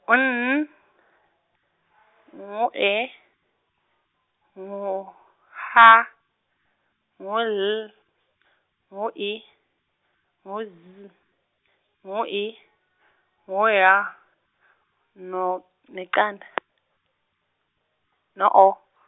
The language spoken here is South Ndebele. u N, ngu E, ngu H, ngu L, ngu I, ngu Z, ngu I , ngu Y, no- neqanda , no O .